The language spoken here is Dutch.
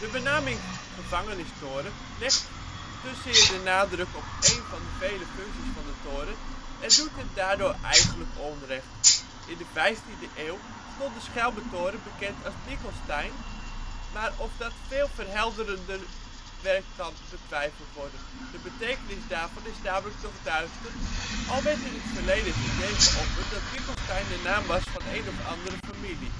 benaming gevangenistoren legt te zeer de nadruk op één van de vele functies van de toren en doet hem daardoor eigenlijk onrecht. In de vijftiende eeuw stond de Schelmentoren bekend als ' Bickelstein ', maar of dat veel verhelderender werkt kan betwijfeld worden. De betekenis daarvan is namelijk nog duister, al werd in het verleden het idee geopperd dat Bickelstein de naam was van een of andere familie